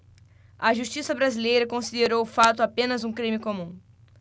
a justiça brasileira considerou o fato apenas um crime comum